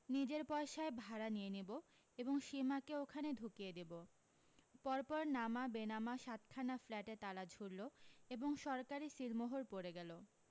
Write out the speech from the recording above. নিজের পয়সায় ভাড়া নিয়ে নেবো এবং সীমাকে ওখানে ঢুকিয়ে দেবো পরপর নামা বেনামা সাতখানা ফ্ল্যাটে তালা ঝুললো এবং সরকারী সীলমোহর পড়ে গেলো